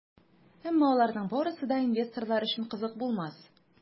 Әмма аларның барысы да инвесторлар өчен кызык булмас.